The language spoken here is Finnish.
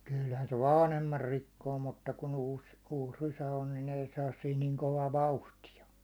kyllähän se vanhemman rikkoo mutta kun uusi uusi rysä on niin ei saa siinä niin kovaa vauhtia